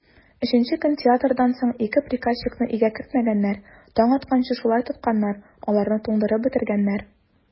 Өченче көн театрдан соң ике приказчикны өйгә кертмәгәннәр, таң атканчы шулай тотканнар, аларны туңдырып бетергәннәр.